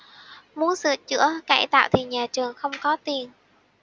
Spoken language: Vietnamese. muốn sửa chữa cải tạo thì nhà trường không có tiền